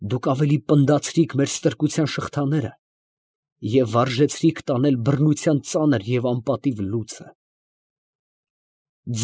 Դուք ավելի պնդացրիք մեր ստրկության շղթաները և վարժեցրիք տանել բռնության ծանր ու անպատիվ լուծը։